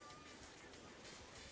что такое плинтус в наушниках